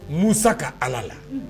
Musa ka ala la